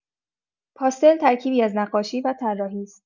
پاستل ترکیبی از نقاشی و طراحی است.